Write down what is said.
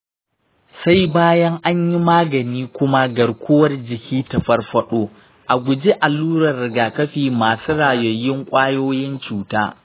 sai bayan an yi magani kuma garkuwar jiki ta farfaɗo. a guji allurar rigakafi masu rayayyun ƙwayoyin cuta .